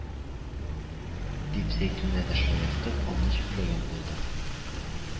Дип, зәйтүнә дә шаяртып аны җөпләгән булды